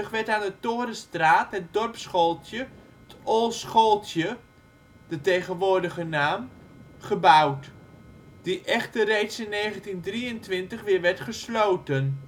werd aan de Torenstraat het dorpsschooltje ' t Ol Schoultje (tegenwoordige naam) gebouwd, die echter reeds in 1923 weer werd gesloten